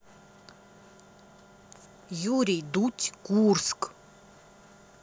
юрий дудь курск